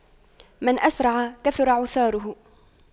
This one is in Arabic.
من أسرع كثر عثاره